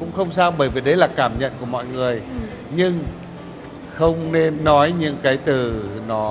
cũng không sao bởi vì đấy là cảm nhận của mọi người nhưng không nên nói những cái từ nó